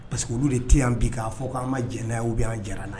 Parce que olu de tɛ yan an bi k'a fɔ k ko an ma jɛnɛyaw bɛ an jara n la